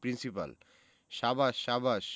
principal সাবাস সাবাস